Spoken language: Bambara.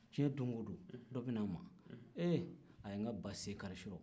diɲɛ don o don dɔ bɛ n'a ma ee a ye n ka ba sen kari surɔ